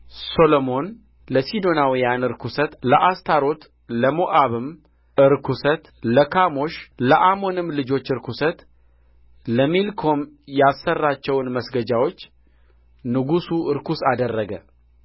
ሰሎሞን ለሲዶናውያን ርኵሰት ለአስታሮት ለሞዓብም ርኵሰት ለካሞሽ ለአሞንም ልጆች ርኵሰት ለሚልኮም ያሠራቸውን መስገጃዎች ንጉሡ ርኩስ አደረገ